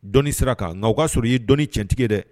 Dɔni sira kan nkaaw b'a sɔrɔ ye dɔni cɛntigi dɛ